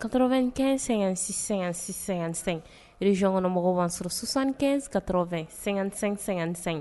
Kaɛn--sɛ-sɛsɛ reykɔnɔmɔgɔ'an sɔrɔsanka2--g nisan